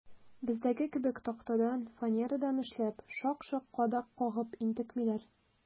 Бездәге кебек тактадан, фанерадан эшләп, шак-шок кадак кагып интекмиләр.